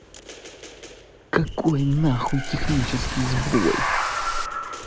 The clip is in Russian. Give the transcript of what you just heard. какой нахуй технический сбой